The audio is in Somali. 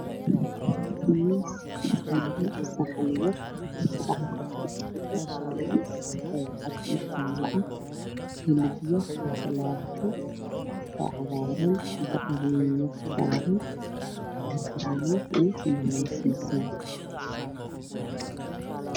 Waa miis saaran saxan yar waxaa kujiro bariis, hilib, ansalaato iyo baradho.